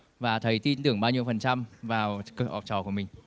và thầy tin tưởng bao nhiêu phần trăm vào cậu học trò của mình